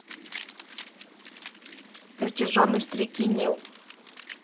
протяженность реки нил